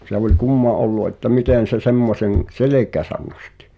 se oli kumma ollut että miten se semmoisen selkäänsä nosti